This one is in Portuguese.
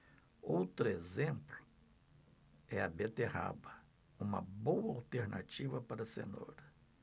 outro exemplo é a beterraba uma boa alternativa para a cenoura